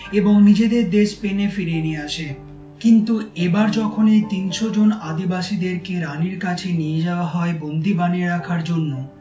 এবং নিজেদের দেশ স্পেনে ফিরিয়ে নিয়ে আসে কিন্তু এবার যখন এ ৩০০ জন আদিবাসীদের কে রাণীর কাছে নিয়ে যাওয়া হয় বন্দি বানিয়ে রাখার জন্য